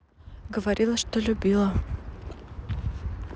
говорила что любила